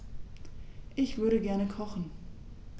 Ich würde gerne kochen.